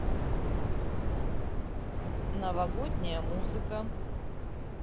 новогодняя музыка